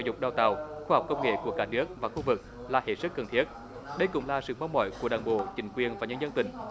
dục đào tạo khoa học công nghệ của cả nước và khu vực là hết sức cần thiết đây cũng là sự mong mỏi của đảng bộ chính quyền và nhân dân tỉnh